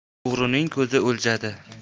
o'g'rining ko'zi o'ljada